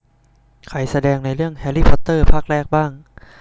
ใครแสดงในเรื่องแฮรี่พอตเตอร์ภาคแรกบ้าง